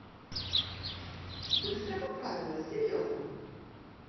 быстро поправилась серьезно